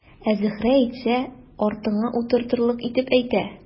Ә Зөһрә әйтсә, артыңа утыртырлык итеп әйтә.